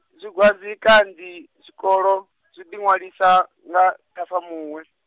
zwi khasi kanzhi zwikolo, zwi ḓi ṅwalisa, nga Ṱhafamuhwe.